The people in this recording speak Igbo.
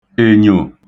ènyò